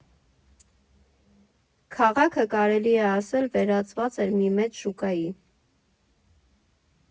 Քաղաքը, կարելի է ասել, վերածված էր մի մեծ շուկայի։